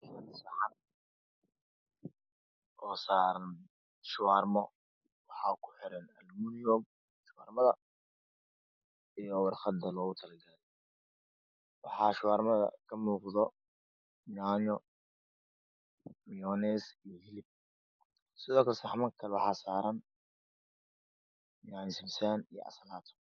Saxan oo saaran shuwaarmo waxa ku xeran almunyom shuwaarmada iyo warqada looga kala galay, waxaa shuwaarmada ka muuqdo yanyo miyorneys iyo sidoo kale saxamanka waxaa saaran yanyo shimsaan iyo Anshalaato.